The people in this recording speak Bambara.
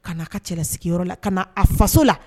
Ka a ka kɛlɛ cɛla sigiyɔrɔ la ka na a faso la